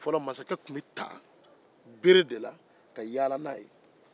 masakɛ tun bɛ ta bere de la ka yaala n'a ye fɔlɔ